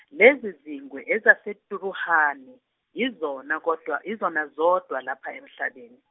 lezizingwe ezaseTuruhani, yizona kodwa yizona zodwa lapha emhlabeni.